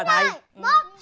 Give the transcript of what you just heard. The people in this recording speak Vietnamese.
đúng rồi một